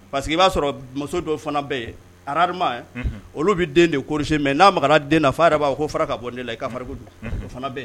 Pa parceseke i b'a sɔrɔ muso dɔ fana bɛɛ ye ara olu bɛ den de kosi mɛn n'a ma den fa yɛrɛ b'a fara ka bɔ ne la i ka fari ye